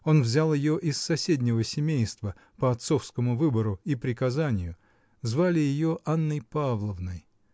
он взял ее из соседнего семейства, по отцовскому выбору и приказанию звали ее Анной Павловной.